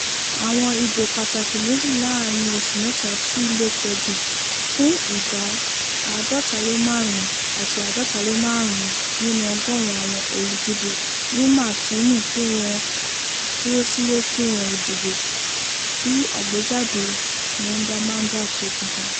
Àwọn ìbò pàtàkì méjì láàárìn oṣù mẹ́ta ti lè pọ̀ jù fún ìda 55.55% àwọn oludìbò ní Martini tí wọ́n dúró sílé tí wọn ò dìbò, bí àgbéjáde Bondamanjak ṣe fi hàn.